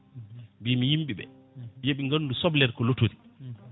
mbimi yimɓeɓe yooɓe gandu soblere ko lottorie